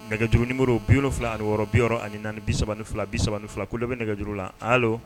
Nɛgɛj duuruunimo biy fila ara yɔrɔ bi ani naani bi3 ni fila bi3 ni fila ko bɛ nɛgɛ juruuru la a